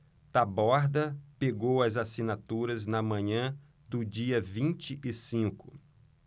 taborda pegou as assinaturas na manhã do dia vinte e cinco